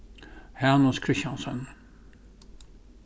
hanus christiansen